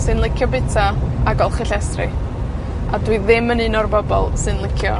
sy'n licio bita, a golchi llestri. A dwi ddim yn un o'r bobol sy'n licio